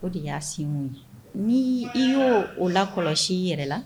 O de y'a signes ye, ni i y'o lakɔlɔsi i yɛrɛ la